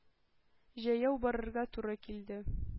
Җәяү барырга туры килде.